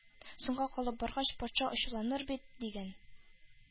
Соңга калып баргач, патша ачуланыр бит! — дигән.